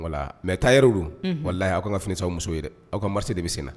Mɛ taa yɛrɛw wala aw ka fini aw muso yɛrɛ aw ka mari de bɛ sen na